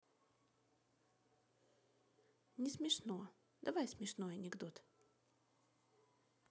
не смешно давай смешной анекдот